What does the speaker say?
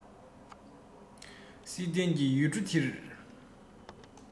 བསིལ ལྡན གྱི ཡུལ གྲུ འདིར